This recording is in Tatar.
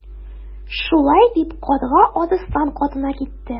Шулай дип Карга Арыслан катына китте.